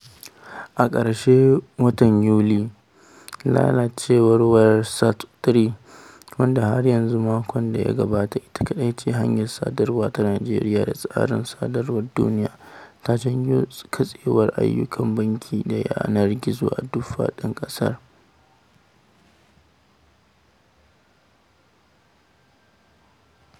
A ƙarshen watan Yuli, lalacewar wayar SAT-3 — wadda har zuwa makon da ya gabata ita kaɗai ce hanyar sadarwa ta Najeriya da tsarin sadarwar duniya — ta janyo katsewar ayyukan banki da yanar gizo a duk faɗin ƙasar.